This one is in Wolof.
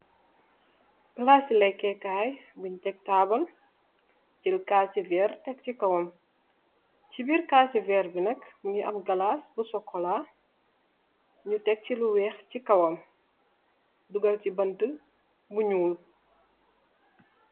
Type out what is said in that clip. Plase leke kaye bun tek table jel kase werr tek se kawam se birr kase werr be nak muge am galas bu sukola nu tekse lu weehe se kawam dogal che bante bu njol.